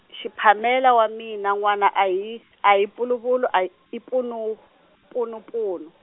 Shiphamela wa mina n'wana a hi, a hi Puluvulu a, i Punu- Punupunu.